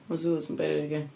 Ma' zoos yn beryg ia.